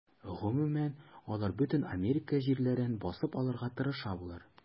Гомумән, алар бөтен Америка җирләрен басып алырга тырыша булыр.